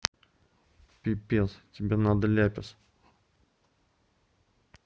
пипец тебе надо ляпис